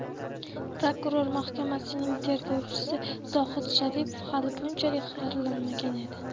prokuror mahkamasining tergovchisi zohid sharipov hali bunchalik xorlanmagan edi